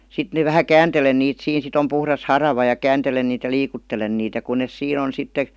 sitten ne vähän kääntelen niitä siinä sitten on puhdas harava ja kääntelen niitä ja liikuttelen niitä ja kun ne siinä on sitten